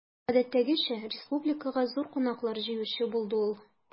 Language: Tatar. Гадәттәгечә, республикага зур кунаклар җыючы булды ул.